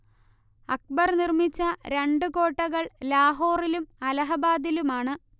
അക്ബർ നിർമിച്ച രണ്ടു കോട്ടകൾ ലാഹോറിലും അലഹബാദിലുമാണ്